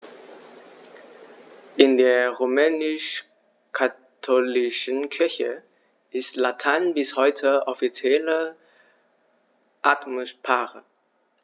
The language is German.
In der römisch-katholischen Kirche ist Latein bis heute offizielle Amtssprache.